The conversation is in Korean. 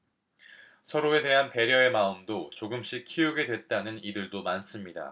서로에 대한 배려의 마음도 조금씩 키우게 됐다는 이들도 많습니다